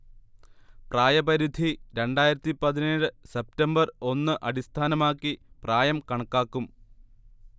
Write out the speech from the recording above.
പ്രായപരിധി രണ്ടായിരത്തി പതിനേഴ് സെപ്റ്റംബർ ഒന്ന് അടിസ്ഥാനമാക്കി പ്രായം കണക്കാക്കും